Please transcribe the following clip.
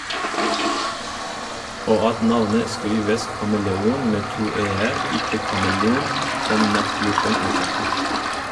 Og at navnet skrives kameleon - med to e-er - ikke "Kamelon", som nattklubben heter.